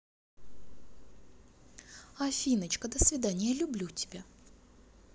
афиночка до свидания люблю тебя